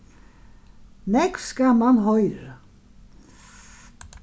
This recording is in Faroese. nógv skal mann hoyra